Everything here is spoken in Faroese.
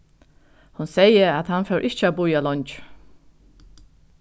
hon segði at hann fór ikki at bíða leingi